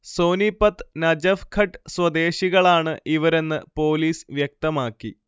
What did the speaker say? സോനിപത്ത്, നജഫ്ഘട്ട് സ്വദേശികളാണ് ഇവരെന്ന് പോലീസ് വ്യക്തമാക്കി